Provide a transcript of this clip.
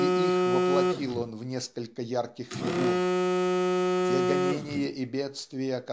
и их воплотил он в несколько ярких фигур. Те гонения и бедствия